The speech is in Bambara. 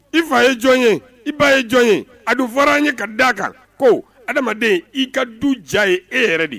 I fa ye jɔn ye i ba ye jɔn ye a dun fɔra an ye ka da kan ko adamaden i ka du diya ye e yɛrɛ de